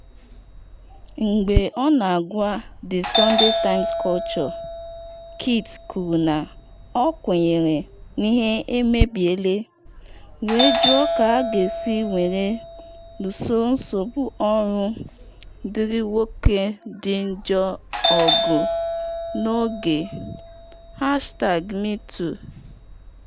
Mgbe ọ na-agwa The Sunday Times Culture, Kit kwuru na ọ kwenyere ‘n’ihe emebiela’ wee jụọ ka a ga-esi were luso nsogbu ọrụ dịrị nwoke dị njọ ọgụ n’oge #MeToo.